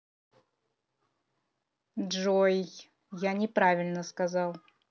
джой я неправильно сказал